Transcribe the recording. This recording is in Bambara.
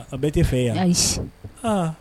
A bɛɛ tɛ fɛ yan h